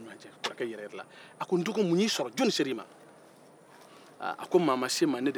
a ko n dɔgɔ mun ɲ'i sɔrɔ jɔnni ser'i ma aaa a ko maa ma se n ma ne de sera maa ma